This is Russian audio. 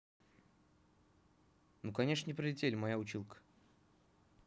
ну конечно не прилетели моя училка